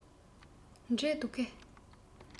འབྲས འདུག གས